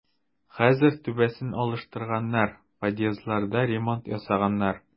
Хәзер түбәсен алыштырганнар, подъездларда ремонт ясаганнар.